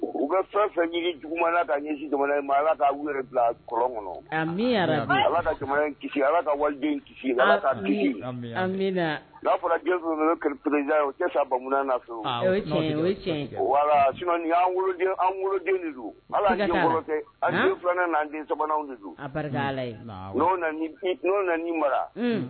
U ka fɛn fɛn jugu ɲɛ ala bila kɔlɔn kɔnɔ ala ka kisi ala ka fɔra na filananden n' mara